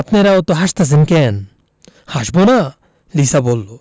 আপনেরা অত হাসতাসেন ক্যান হাসবোনা লিসা বললো